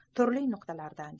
turli nuqtalardan